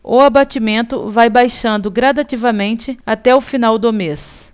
o abatimento vai baixando gradativamente até o final do mês